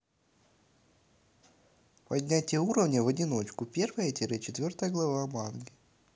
поднятие уровня в одиночку первая тире четвертая глава манги